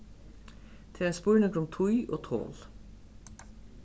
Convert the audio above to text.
tað er ein spurningur um tíð og tol